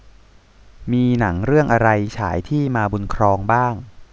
มีหนังเรื่องอะไรฉายที่มาบุญครองบ้าง